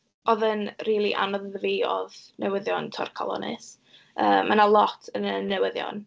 Oedd yn rili anodd iddo fi, oedd newyddion torcalonnus. Yy, ma' na lot yn y newyddion.